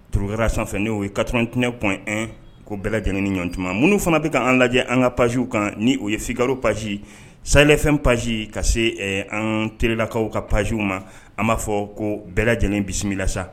Tourukarara sanfɛ n'o ye katti kɔn ko bɛɛ lajɛlen ni ɲɔgɔntumama minnu fana bɛ ka an lajɛ an ka pazyw kan ni u ye fikaro papi salɛfɛn pasi ka se an terilakaw ka pazyw ma an b'a fɔ ko bɛɛ lajɛlen bisimilala sa